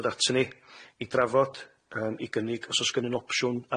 ddod aton ni i drafod yym i gynnig os o's gynnyn n'w opsiwn